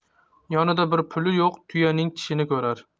yonida bir puli yo'q tuyaning tishini ko'rar